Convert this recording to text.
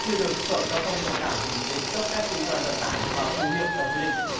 chưa được sở giao thông vận tải tỉnh bình định cấp phép kinh doanh vận tải và phù hiệu theo quy định